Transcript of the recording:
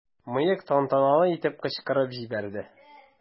"мыек" тантаналы итеп кычкырып җибәрде.